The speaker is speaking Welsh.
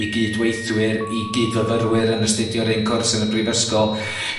i gydweithwyr, i gydfyfyrwyr yn astudio'r un cwrs yn y brifysgol.